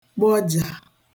gbọjà